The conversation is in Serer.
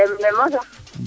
Theme ne mosa